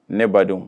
Ne badenw